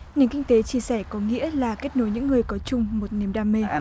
nền kinh tế chia sẻ có nghĩa là kết nối những người có chung một niềm đam mê